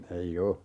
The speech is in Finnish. ei ole